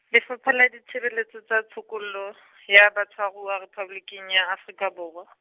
Lefapha la Ditshebeletso tsa Tshokollo, ya Batshwaruwa Rephaboliki ya Afrika Borwa.